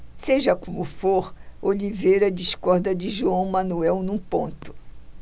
seja como for oliveira discorda de joão manuel num ponto